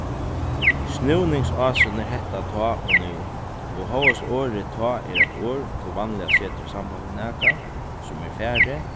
snúningsásin er hetta tá og nú og hóast orðið tá er eitt orð tú vanliga setir í samband við nakað sum er farið